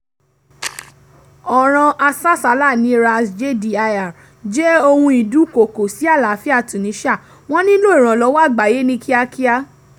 ọ̀ràn asásàálà ní ras jdir jẹ́ ohun ìdúnkokò sí àlàáfíà tunisia – wọ́n nílò ìrànlọ́wọ́ àgbáyé ní kíákíá.